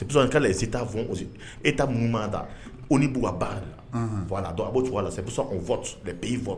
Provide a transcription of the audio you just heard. Kɛlɛ ye t taa fɔ gosi e ta mun'da ko ni' baara la fɔ la don a b' cogo la bɛ sɔn bɛ fɔ